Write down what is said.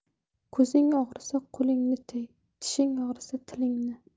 ko'zing og'risa qo'lingni tiy tishing og'risa tilingni